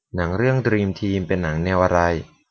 หนังเรื่องดรีมทีมเป็นหนังแนวอะไร